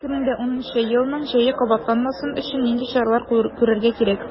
2010 елның җәе кабатланмасын өчен нинди чаралар күрергә кирәк?